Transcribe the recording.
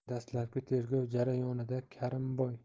dastlabki tergov jarayonida karimboy